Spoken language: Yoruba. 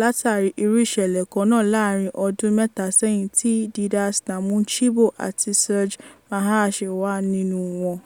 látàrí irú ìṣẹ̀lẹ̀ kan nàà láàárìn ọdún mẹ́ta sẹ́yìn tí Didace Namujimbo àti Serge Maheshe wà nínu wọn.